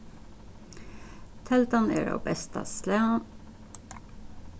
teldan er av besta slag